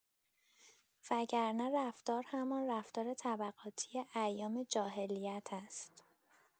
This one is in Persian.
وگرنه رفتار همان رفتار طبقاتی ایام جاهلیت است.